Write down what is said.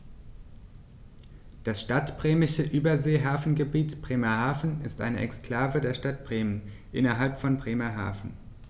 Das Stadtbremische Überseehafengebiet Bremerhaven ist eine Exklave der Stadt Bremen innerhalb von Bremerhaven.